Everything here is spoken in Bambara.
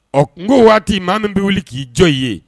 Ɔ kunko waati maa min bɛ wuli k'i jɔ i ye